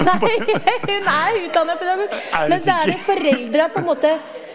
nei hun er utdanna pedagog, men så er det foreldra på en måte.